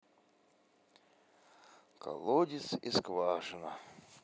колодец и скважина